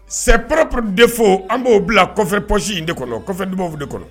Sɛpp de fo an b'o bila psi in de kɔnɔ kɔfɛ dw de kɔnɔ